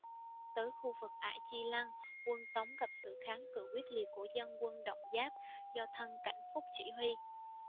tới khu vực ải chi lăng quân tống gặp sự kháng cự quyết liệt của dân quân động giáp do thân cảnh phúc chỉ huy